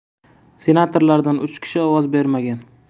senatorlardan uch kishi ovoz bermagan